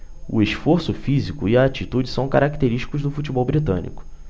o esforço físico e a atitude são característicos do futebol britânico